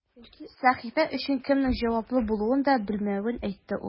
Сәхифә өчен кемнең җаваплы булуын да белмәвен әйтте ул.